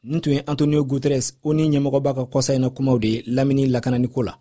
nin tun ye antonio gutteres onu ɲɛmɔgɔba ka kɔsa in na kumaw de ye lamini lakanani ko la